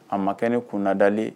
A ma kɛ ni kunnadali ye